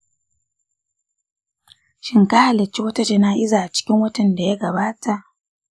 shin ka halarci wata jana’iza a cikin watan da ya gabata?